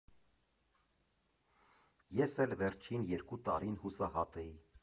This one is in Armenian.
Ես էլ վերջին երկու տարին հուսահատ էի։